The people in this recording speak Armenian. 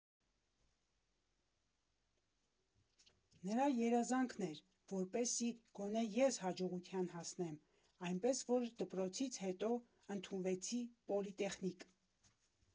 Նրա երազանքն էր, որպեսզի գոնե ես հաջողության հասնեմ, այնպես որ դպրոցից հետո ընդունվեցի Պոլիտեխնիկ։